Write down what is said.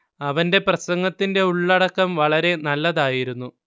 അവന്റെ പ്രസംഗത്തിന്റെ ഉള്ളടക്കം വളരെ നല്ലതായിരുന്നു